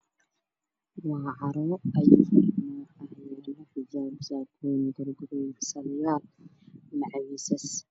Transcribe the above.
Waa carwo ayyu dhar nooc ah ay yaalaan xijaabo saakooyin gorgorayaal salliyaal macawiisas